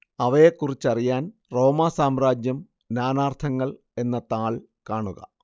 അവയെക്കുറിച്ചറിയാൻ റോമാ സാമ്രാജ്യം നാനാർത്ഥങ്ങൾ എന്ന താൾ കാണുക